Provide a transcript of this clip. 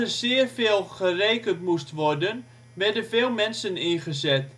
zeer veel gerekend moest worden werden veel mensen ingezet